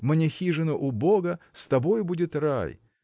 Мне хижина убога С тобою будет рай.